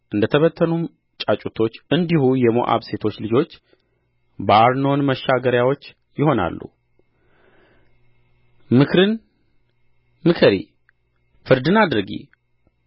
እንደ ተበተኑም ጫጩቶች እንዲሁ የሞዓብ ሴቶች ልጆች በአርኖን መሻገሪያዎች ይሆናሉ ምክርን ምከሪ ፍርድን አድርጊ